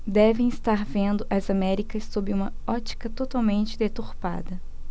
devem estar vendo as américas sob uma ótica totalmente deturpada